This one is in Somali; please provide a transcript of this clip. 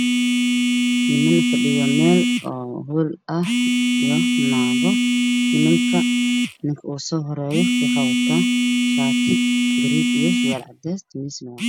Niman fadhiya meel oo hool ah iyo naago nimanka ninka ugu soo horeeyo wuxuu wataa shati surraal caddees sana cadeen waaye